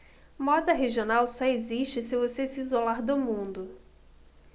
moda regional só existe se você se isolar do mundo